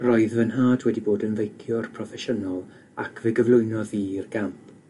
Roedd fy nhad wedi bod yn feiciwr proffesiynol ac fe gyflwynodd fi i'r gamp.